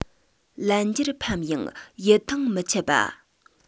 ལན བརྒྱར ཕམ ཡང ཡིད ཐང མི འཆད པ